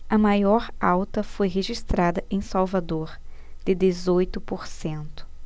a maior alta foi registrada em salvador de dezoito por cento